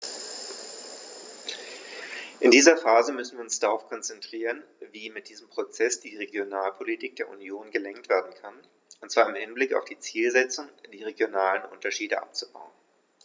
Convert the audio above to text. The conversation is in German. In dieser Phase müssen wir uns darauf konzentrieren, wie mit diesem Prozess die Regionalpolitik der Union gelenkt werden kann, und zwar im Hinblick auf die Zielsetzung, die regionalen Unterschiede abzubauen.